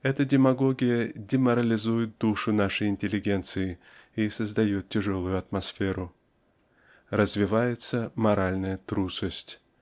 Эта демагогия деморализует душу нашей интеллигенции и создает тяжелую атмосферу. Развивается моральная трусость